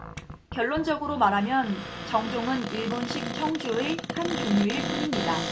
결론적으로 말하면 정종은 일본식 청주의 한 종류일 뿐입니다